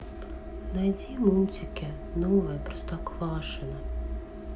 найди мультики новое простоквашино